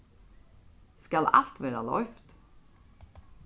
skal alt verða loyvt